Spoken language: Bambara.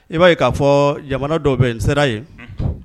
I b'a ye k'a fɔɔ jamana dɔ bɛ ye n sera ye unhun